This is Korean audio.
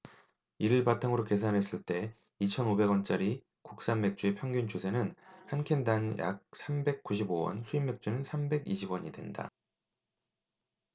이를 바탕으로 계산했을 때 이천 오백 원짜리 국산맥주의 평균 주세는 한 캔 당 약 삼백 구십 오 원 수입맥주는 삼백 이십 원이된다